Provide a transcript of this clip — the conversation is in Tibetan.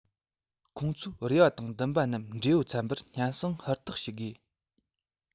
ཁོང ཚོའི རེ བ དང འདུན པ རྣམས འབྲེལ ཡོད ཚན པར སྙན སེང ཧུར ཐག ཞུ དགོས